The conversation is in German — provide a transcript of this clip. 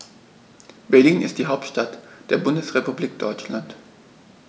Berlin ist die Hauptstadt der Bundesrepublik Deutschland.